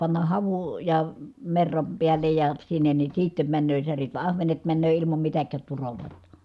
panna havuja - merran päälle ja sinne niin sitten menee särjet vaan ahvenet menee ilman mitään turoja